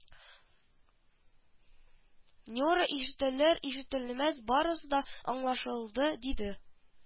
Нюра ишетелер-ишетелмәс барысы да аңлашылды диде